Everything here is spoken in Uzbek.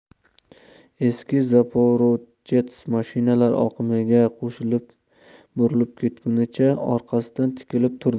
eski zaporojets mashinalar oqimiga qo'shilib burilib ketgunicha orqasidan tikilib turdi